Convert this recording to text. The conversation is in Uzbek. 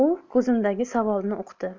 u ko'zimdagi savolni uqdi